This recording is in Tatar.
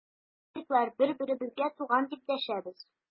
Без, моряклар, бер-беребезгә туган, дип дәшәбез.